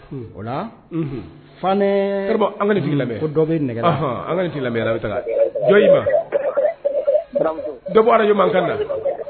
T'i labɛn dɔ bɔra ka na